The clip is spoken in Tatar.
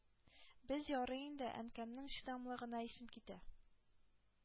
Без ярый инде, Әнкәмнең чыдамлылыгына исем китә.